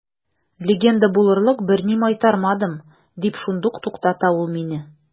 Легенда булырлык берни майтармадым, – дип шундук туктата ул мине.